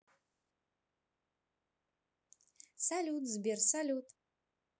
салют сбер салют